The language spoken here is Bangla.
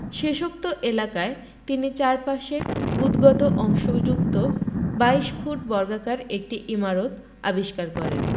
শেষোক্ত এলাকায় তিনি চারপাশে উদ্গত অংশযুক্ত ২২ ফুট বর্গাকার একটি ইমারত আবিষ্কার করেন